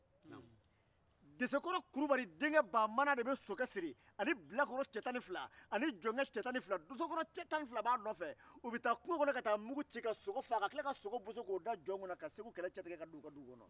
desekoro kulubali denkɛ baamana de bɛ segu kɛlɛ cɛci ni bilakoro cɛ tan ni fila jɔnkɛ 12 doskɔrɔ 12 ni ye ka taa sogo faa kungo kɔnɔ ka segin n'a ye